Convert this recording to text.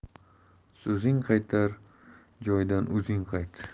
so'zing qaytar joydan o'zing qayt